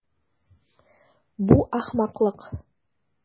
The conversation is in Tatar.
Бу ахмаклык.